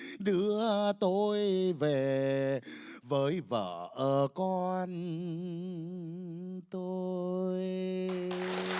đưa tôi về với vợ con tôi